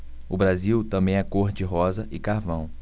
o brasil também é cor de rosa e carvão